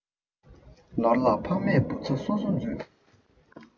ནོར ལ ཕ མས བུ ཚ གསོ གསོ མཛོད